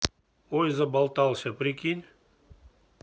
ой заболтался прикинь